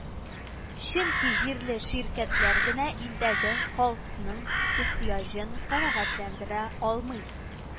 Чөнки җирле ширкәтләр генә илдәге халыкның ихтыяҗын канәгатьләндерә алмый